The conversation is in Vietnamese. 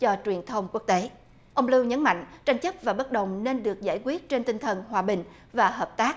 cho truyền thông quốc tế ông lưu nhấn mạnh tranh chấp và bất đồng nên được giải quyết trên tinh thần hòa bình và hợp tác